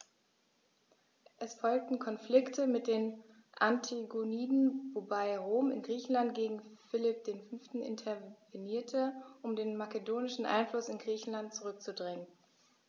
Es folgten Konflikte mit den Antigoniden, wobei Rom in Griechenland gegen Philipp V. intervenierte, um den makedonischen Einfluss in Griechenland zurückzudrängen.